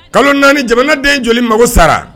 Kalo 4, jamana den joli mago sara?